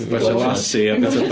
Gwatsiad Lassie a bwyta...